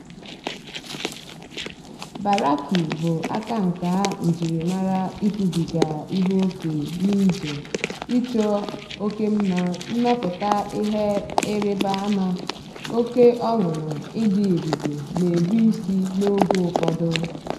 Baroque bụ akanka njiri mara ikwubiga ihe oke n'ije, ịchọ oke mma, mmepụta ihe ịrịba ama, oke ọṅụ na ị dị ebube na-ebu isi n'oge ụfọdụ.